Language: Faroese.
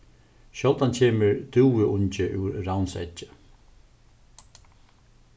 sjáldan kemur dúvuungi úr ravnseggi